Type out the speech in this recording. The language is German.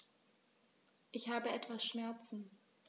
Ich habe etwas Schmerzen.